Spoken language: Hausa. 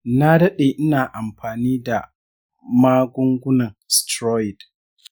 na daɗe ina amfani da magungunan steroid